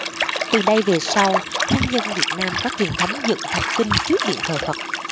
từ đây về sau nhân dân việt nam có truyền thống dựng thạch kinh trước điện thờ phật